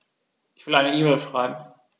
Ich will eine E-Mail schreiben.